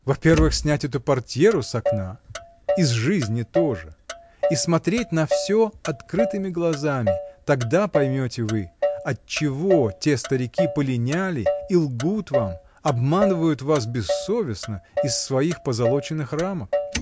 — Во-первых, снять эту портьеру с окна, и с жизни тоже, и смотреть на всё открытыми глазами, тогда поймете вы, отчего те старики полиняли и лгут вам, обманывают вас бессовестно из своих позолоченных рамок.